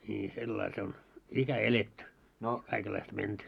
niin sillä lailla se on ikä eletty kaikenlaista menty